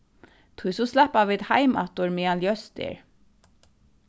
tí so sleppa vit heim aftur meðan ljóst er